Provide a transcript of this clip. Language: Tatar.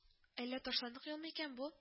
Ллә ташландык юл микән бу д